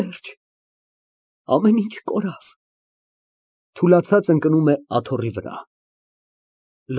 Ահ, կորավ ամեն ինչ։ (Թուլացած ընկնում է աթոռի վրա։